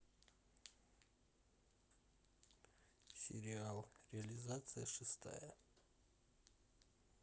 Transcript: сериал реализация шестая